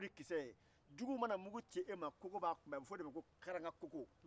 juguw mana mugu ci kogo b'a kunbɛn a bɛ fɔ o de ma ko karangakogo